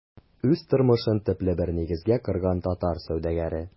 Үз тормышын төпле бер нигезгә корган татар сәүдәгәре.